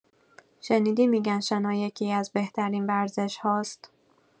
شنیدی می‌گن شنا یکی‌از بهترین ورزش‌هاست؟